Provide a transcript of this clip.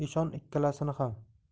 eshon ikkalasini ham